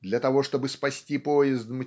для того чтобы спасти поезд